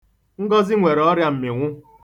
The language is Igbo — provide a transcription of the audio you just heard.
Ngọzị nwere ọrịa mmịnwụ.